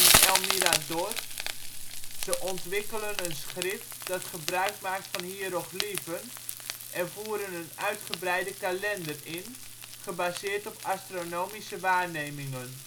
El Mirador. Ze ontwikkelen een schrift dat gebruik maakt van hiërogliefen en voeren een uitgebreide kalender in, gebaseerd op astronomische waarnemingen